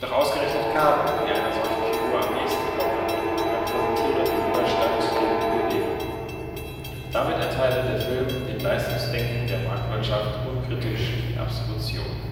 ausgerechnet Karo, die einer solchen Figur am nächsten komme, repräsentiere den Widerstand gegen die Bewegung. Damit erteile der Film dem Leistungsdenken der Marktwirtschaft unkritisch die Absolution